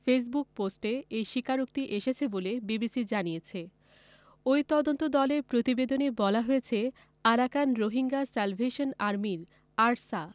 Facebook পোস্টে এই স্বীকারোক্তি এসেছে বলে বিবিসি জানিয়েছে ওই তদন্তদলের প্রতিবেদনে বলা হয়েছে আরাকান রোহিঙ্গা স্যালভেশন আর্মির আরসা